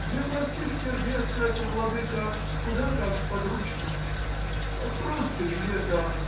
для простых сердец это, владыко, куда как сподручно! — просто ведь это